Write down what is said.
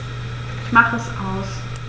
Ich mache es aus.